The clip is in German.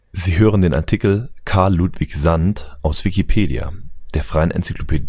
hören den Artikel Karl Ludwig Sand, aus Wikipedia, der freien Enzyklopädie